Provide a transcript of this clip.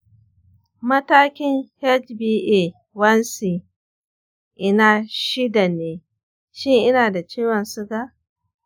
matakin hba1c ina shida ne, shin ina da ciwon suga?